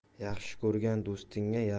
yaxshi ko'rgan do'stingga